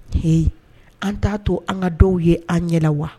Heyi, an t'a to an k'a dɔw ye an ɲɛ na wa?